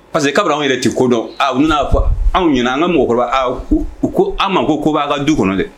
Parce que k' anwan yɛrɛ ci kodɔn a n'a fɔ anw ɲ an ka mɔgɔkɔrɔba u ko an ma ko b'a ka du kɔnɔ dɛ